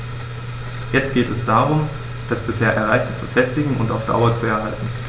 Jetzt geht es darum, das bisher Erreichte zu festigen und auf Dauer zu erhalten.